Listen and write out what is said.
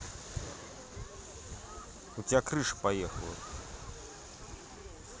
у тебя крыша поехала